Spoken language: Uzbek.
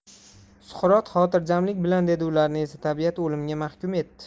suqrot xotirjamlik bilan dedi ularni esa tabiat o'limga mahkum etdi